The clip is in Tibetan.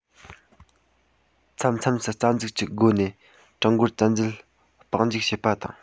མཚམས མཚམས སུ རྩ འཛུགས ཀྱི སྒོ ནས ཀྲུང གོར བཙན འཛུལ དཔུང འཇུག བྱས པ དང